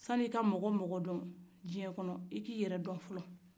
san'i ka mɔgɔ mɔgɔ don i k'i yɛrɛ don fɔlɔn